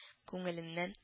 Күңеленнән